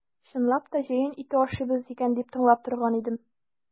Чынлап та җәен ите ашыйбыз икән дип тыңлап торган идем.